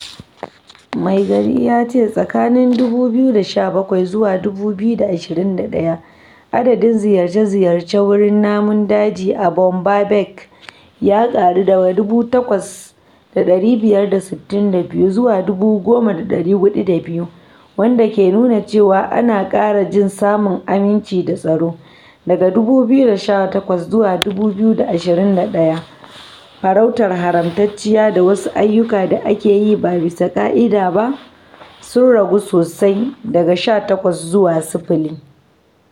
Meigari ya ce tsakanin 2017 zuwa 2021, adadin ziyarce-ziyarce wurin namun daji a Boumba Bek ya ƙaru daga 8,562 zuwa 10,402, wanda ke nuna cewa ana ƙara jin samuwar aminci da tsaro: "Daga 2017 zuwa 2021, farautar haramtacciya da wasu ayyukan da ake yi ba bisa ƙa'ida ba sun ragu sosai, daga 18 zuwa 0."